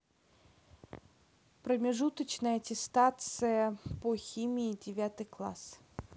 промежуточная аттестация по химии десятый класс